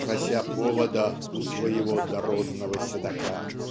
прося повода у своего дородного седока".